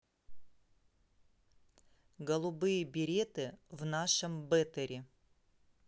голубые береты в нашем бэтэре